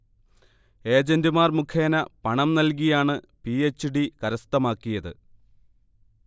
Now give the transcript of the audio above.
ഏജൻറുമാർ മുഖേന പണം നൽകിയാണ് പി. എച്ച്. ഡി. കരസ്ഥമാക്കിയത്